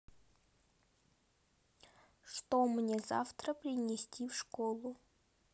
что мне завтра принести в школу